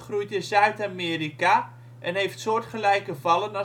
Zuid-Amerika en heeft soortgelijke vallen